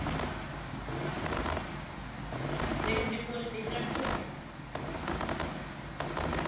секс в прихожей перед работой